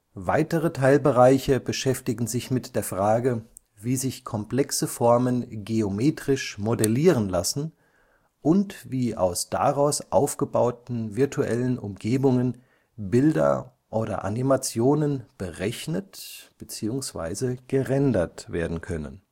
Weitere Teilbereiche beschäftigen sich mit der Frage, wie sich komplexe Formen geometrisch modellieren lassen und wie aus daraus aufgebauten virtuellen Umgebungen Bilder oder Animationen berechnet (gerendert) werden können